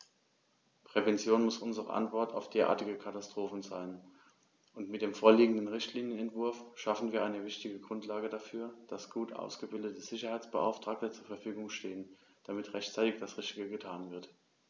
Prävention muss unsere Antwort auf derartige Katastrophen sein, und mit dem vorliegenden Richtlinienentwurf schaffen wir eine wichtige Grundlage dafür, dass gut ausgebildete Sicherheitsbeauftragte zur Verfügung stehen, damit rechtzeitig das Richtige getan wird.